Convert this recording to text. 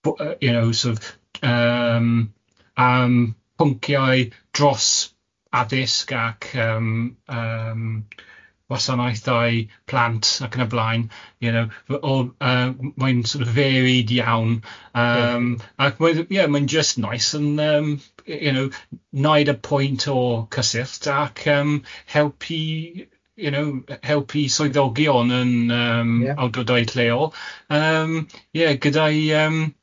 you know sort of yym yym pyncaiu dros addysg ac yym ymm gwasanaethau plant ac yn y blaen, you know o- mae'n sort of varied iawn, ag oedd mae'n you know naid y point o cyssyllt, ac yym helpu you know helpu swyddigion... Ie. ...yn awdyrdoedd lleol gydai yym